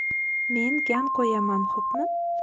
men gan qo'yaman xo'pmi